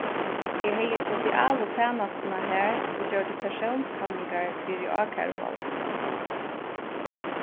eg hevði sosialu tænastuna har og gjørdi persónskanningar fyri ákæruvaldið